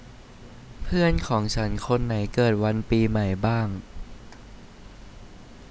เพื่อนของฉันคนไหนเกิดวันปีใหม่บ้าง